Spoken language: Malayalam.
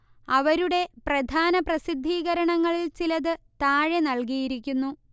അവരുടെ പ്രധാന പ്രസിദ്ധീകരണങ്ങളിൽ ചിലത് താഴെ നൽകിയിരിക്കുന്നു